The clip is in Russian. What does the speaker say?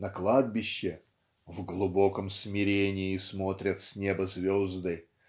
на кладбище "в глубоком смирении смотрят с неба звезды